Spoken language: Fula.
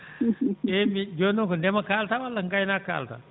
eeyi min jooni noon ko ndema kaalataa walla ngaynaaka kaalataa